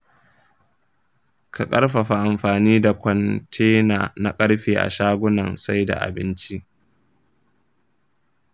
ka karfafa amfani da kwantena na karfe a shagugan sai da abinci.